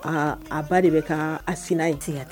Aa a ba de bɛ ka a sinayi tigɛ.